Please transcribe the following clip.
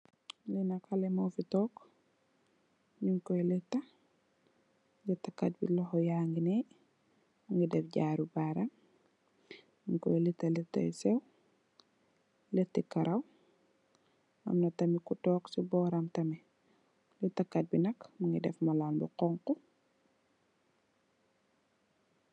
lenaka haleh mofi tog ming koy let a leteu Kat bi lokho yangi need mungi def jaaru baram nyung koy leta leta yu sew leti karaw amna tamit ku tog ci boram tamit leta Kat bi nak mingi def Malan bu xonxu